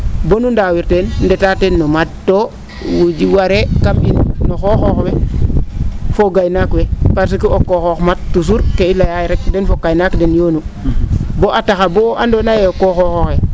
boo nu ndawir teen reta teen o maad too waree kam in xooxoox we fo gaynaak we o qooxoox maak toujours kee i laya rek den fo kaynaak den yoonu boo a taxa boo andoona yee qooxoox oxe